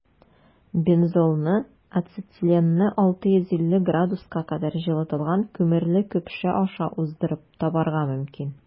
Бензолны ацетиленны 650 С кадәр җылытылган күмерле көпшә аша уздырып табарга мөмкин.